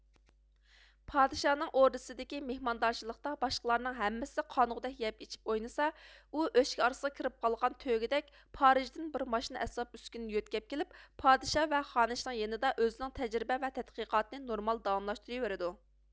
پادىشاھنىڭ ئوردىسىدىكى مېھماندارچىلىقتا باشقىلارنىڭ ھەممىسى قانغۇەك يەپ ئىچىپ ئوينىسا ئۇ ئۆچكە ئارىسىغا كىرىپ قالغان تۆگىدەك پارىژدىن بىر ماشىنا ئەسۋاب ئۈسكۈنە يۆتكەپ كېلىپ پادىشاھ ۋە خانىشنىڭ يېنىدا ئۆزىنىڭ تەجرىبە ۋە تەتقىقاتىنى نورمال داۋاملاشتۇرىۋېرىدۇ